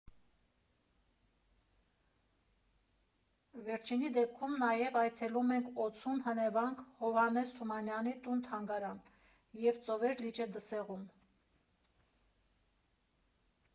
Վերջինի դեպքում նաև այցելում ենք Օձուն, Հնեվանք, Հովհաննես Թումանյանի տուն֊թանգարան և Ծովեր լիճը Դսեղում։